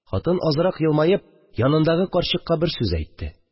Хатын, азрак елмаеп, янындагы карчыкка бер сүз әйтте